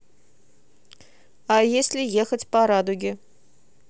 а если ехать по радуге